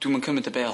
Dwi'm yn cymyd y bêl.